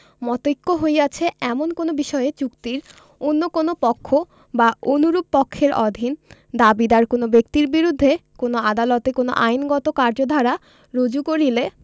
মতৈক্য হইয়াছে এমন কোন বিষয়ে চুক্তির অন্য কোন পক্ষ বা অনুরূপ পক্ষের অধীন দাবিীদার কোন ব্যক্তির বিরুদ্ধে কোন আদালতে কোন আইনগত কার্যধারা রুজু করিলে